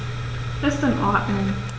Ist in Ordnung.